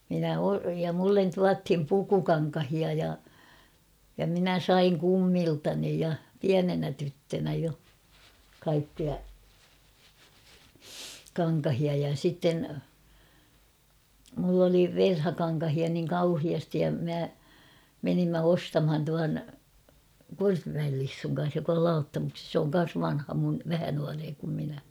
minä - ja minulle tuotiin pukukankaita ja ja minä sain kummiltani ja pienenä tyttönä jo kaikkia kankaita ja sitten minulla oli verhokankaita niin kauheasti ja minä menimme ostamaan tuon Korpimäen Lissun kanssa joka oli Lauttamuksesta se on kanssa vanha minun vähän nuorempi kuin minä